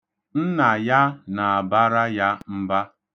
Nna ya na-abara ya mba.